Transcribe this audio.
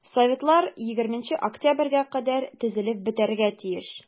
Советлар 20 октябрьгә кадәр төзелеп бетәргә тиеш.